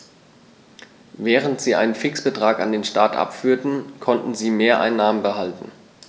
Während sie einen Fixbetrag an den Staat abführten, konnten sie Mehreinnahmen behalten.